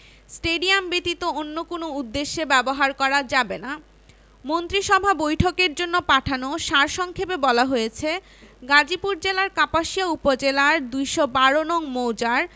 stadium ব্যতীত অন্য কোনো উদ্দেশ্যে ব্যবহার করা যাবে না মন্ত্রিসভা বৈঠকের জন্য পাঠানো সার সংক্ষেপে বলা হয়েছে গাজীপুর জেলার কাপাসিয়া উপজেলার ২১২ নং মৌজার